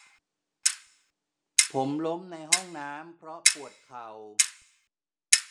ผมล้มในห้องน้ำเพราะปวดเข่า